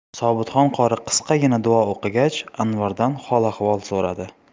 sobitxon qori qisqagina duo o'qigach anvardan hol ahvol so'radi